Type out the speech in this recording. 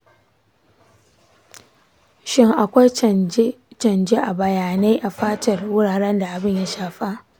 shin akwai canje-canje a bayyane a fatar wuraren da abin ya shafa?